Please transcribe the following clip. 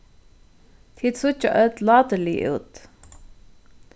tit síggja øll láturlig út